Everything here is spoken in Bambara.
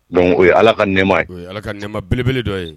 Dɔnku o ye ala ka nɛma ye o ye ala ka nɛma belebele dɔ ye